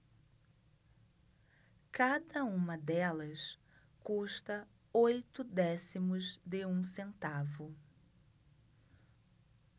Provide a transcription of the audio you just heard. cada uma delas custa oito décimos de um centavo